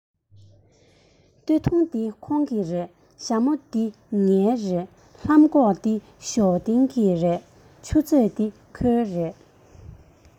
སྟོད ཐུང འདི ཁོང གི རེད ཞྭ མོ འདི ངའི རེད ལྷམ གོག འདི ཞའོ ཏིང གི རེད ཆུ ཚོད འདི ཁོའི རེད